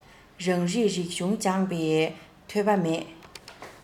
རང རིགས རིག གཞུང སྦྱངས པའི ཐོས པ མེད